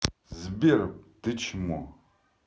сбер ты чмо